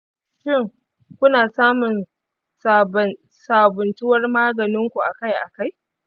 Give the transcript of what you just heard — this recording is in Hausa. shin, kuna samun sabuntawar maganin ku akai-akai?